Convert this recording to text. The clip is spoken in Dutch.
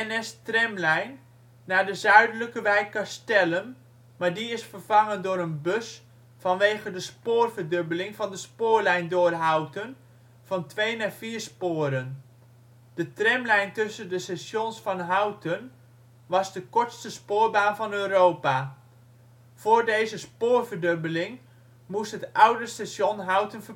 2001 tot 2008 een NS-tramlijn naar de zuidelijke wijk Castellum, maar die is vervangen door een bus vanwege de spoorverdubbeling van de spoorlijn door Houten (van twee naar vier sporen). De tramlijn tussen de stations van Houten was de kortste spoorbaan van Europa.Voor deze spoorverdubbeling moest het oude Station Houten